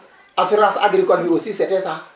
assurance agricole bi aussi c' était ça